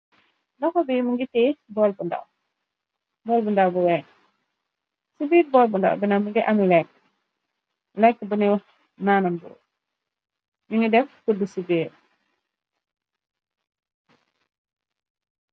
Doxa bimungi tee bobndawboolbu ndaw bu weeg ci biir bolbu ndaw bina minge ami lekk lekk bini naanam bu mi ngi def kudd ci biir.